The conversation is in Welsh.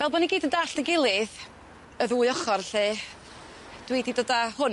Fel bo' ni gyd yn dallt ein gilydd, y ddwy ochor lly, dwi di dod â hwn,